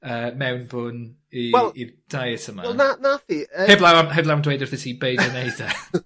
yy mewnbwn i... Wel. ...i'r deiet yma. Wel na- nath hi yy... Heblaw am heblaw am dweud wrthyt ti i beidio wneud e.